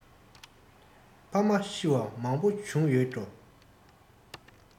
ཕ མ ཤི བ མང པོ བྱུང ཡོད འགྲོ